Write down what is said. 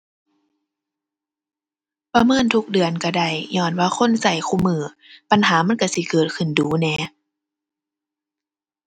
ประเมินทุกเดือนก็ได้ ญ้อนว่าคนก็คุมื้อ ปัญหามันก็สิเกิดขึ้นดู๋แหน่